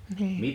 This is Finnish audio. niin